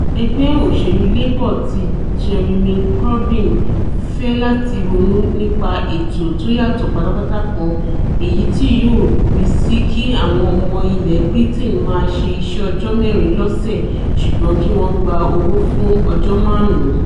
Ẹgbẹ́ òṣèlú Labour ti Jeremy Corbyn fẹ́ lati ronú nípa ètò tóyàtọ̀ pátápátá kan èyití yóò rísì kí àwọn ọmọ ilẹ̀ Britain máaṣe iṣẹ́ ọjọ́ mẹ́rin lọ́sẹ̵̀ - ṣùgbọn kí wọ́n gba owó fún ọjọ́ máàrún.